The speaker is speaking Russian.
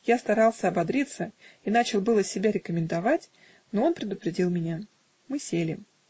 я старался ободриться и начал было себя рекомендовать, но он предупредил меня. Мы сели.